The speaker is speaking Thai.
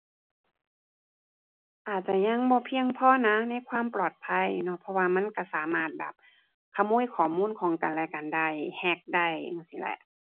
อาจจะยังบ่เพียงพอนะในความปลอดภัยเนาะ เพราะว่ามันก็สามารถแบบ ขโมยข้อมูลของกันและกันได้ แฮ็กได้ จั่งซี้แหละ